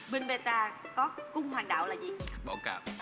bin mê ta có cung hoàng đạo là gì bọ cạp